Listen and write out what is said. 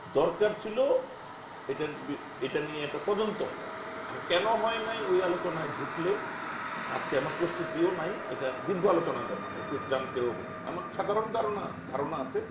দরকার ছিল এটা এটা নিয়ে একটা তদন্ত হওয়া এখন কেনো হয় নাই ওই আলোচনায় ঢুকলে আজকে আমার প্রস্তুতিও নাই এটা দীর্ঘ আলোচনার ব্যাপার একটু জানতেও হবে আমার সাধারণ ধারণা আছে